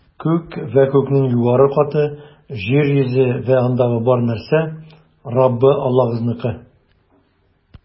Күк вә күкнең югары каты, җир йөзе вә андагы бар нәрсә - Раббы Аллагызныкы.